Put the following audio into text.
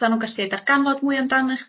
sa'n nw'n gallu darganfod mwy amdano